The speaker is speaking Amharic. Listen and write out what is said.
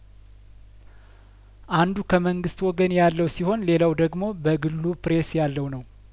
አንዱ ከመንግስት ወገን ያለው ሲሆን ሌላው ደግሞ በግሉ ፕሬስ ያለው ነው